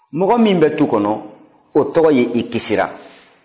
mɔgɔ min bɛ tu kɔnɔ o tɔgɔ de ye i kisira